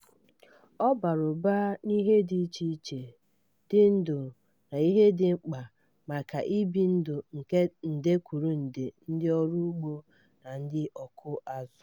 Ọ bara ụba n'ihe dị iche iche dị ndụ na ihe dị mkpa maka ibi ndụ nke nde kwụrụ nde ndị ọrụ ugbo na ndị ọkụ azụ.